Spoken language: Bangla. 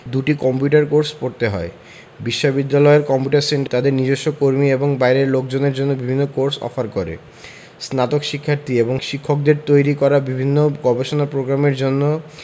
দুটো কম্পিউটার কোর্স পড়তে হয় বিশ্ববিদ্যালয়ের কম্পিউটার সেন্টার তাদের নিজস্ব কর্মী এবং বাইরের লোকজনের জন্য বিভিন্ন কোর্স অফার করে স্নাতক শিক্ষার্থী এবং শিক্ষকদের তৈরি করা বিভিন্ন গবেষণা প্রোগ্রামের জন্য